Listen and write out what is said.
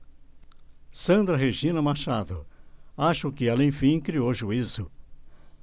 sandra regina machado acho que ela enfim criou juízo